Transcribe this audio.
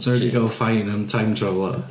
Oes 'na rhywun 'di gael fine am time travel?